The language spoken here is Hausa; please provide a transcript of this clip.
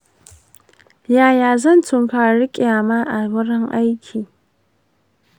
shin shakar hayakin taba ta zamani ya fi shan taba ta gargajiya kariya ko lafiya?